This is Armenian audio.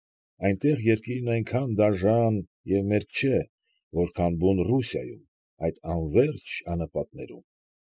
Այնտեղ երկիրն այնքան դաժան և մերկ չէ, որքան բուն Ռուսիայում, այդ անվերջ անապատներում։